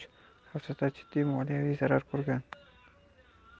oxirgi uch haftada jiddiy moliyaviy zarar ko'rgan